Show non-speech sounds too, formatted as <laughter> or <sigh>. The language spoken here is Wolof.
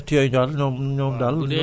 mbay <hesitation> <hesitation>